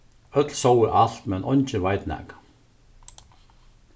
øll sóu alt men eingin veit nakað